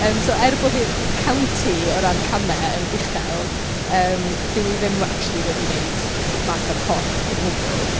Yym so er bo hi dd- count hi o ran camau yn uchel yym dyw hi ddim acshyli wedi wneud ymarfer corff o gwbl.